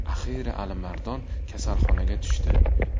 oxiri alimardon kasalxonaga tushdi